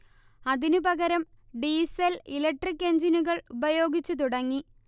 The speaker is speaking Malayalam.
അതിനുപകരം ഡീസൽ ഇലക്ട്രിക്ക് എഞ്ചിനുകൾ ഉപയോഗിച്ചു തുടങ്ങി